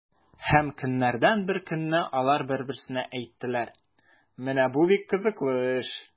Һәм көннәрдән бер көнне алар бер-берсенә әйттеләр: “Менә бу бик кызыклы эш!”